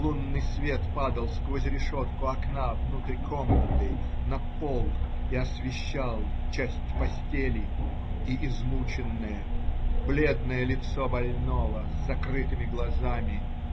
Лунный свет падал сквозь решетку окна внутрь комнаты, на пол, и освещал часть постели и измученное, бледное лицо больного с закрытыми глазами